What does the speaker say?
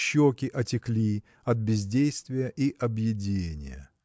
щеки отекли от бездействия и объедения.